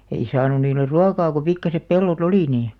ei saanut niille ruokaa kun pikkuiset pellot oli niin